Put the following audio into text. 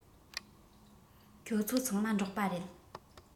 ཁྱོད ཚོ ཚང མ འབྲོག པ རེད